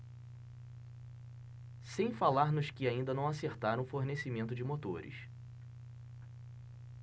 sem falar nos que ainda não acertaram o fornecimento de motores